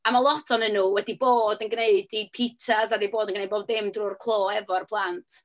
A ma' lot ohonyn nhw wedi bod yn gwneud eu pitsas, a 'di bod yn gwneud pob dim drwy'r clo efo'r plant.